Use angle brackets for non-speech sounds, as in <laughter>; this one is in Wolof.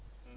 <hesitation>